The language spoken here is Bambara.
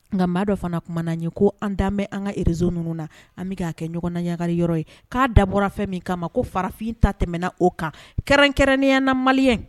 Nka maa dɔ fana kumana na ye ko an da bɛ an ka rez ninnu na an bɛ k'a kɛ ɲɔgɔn na ɲagaga yɔrɔ ye k'a dabɔra fɛn min kama ma ko farafin ta tɛmɛna o kan kɛrɛn-kɛrɛnnenya na mali ye